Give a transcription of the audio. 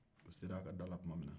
u sera a ka da la tuma minna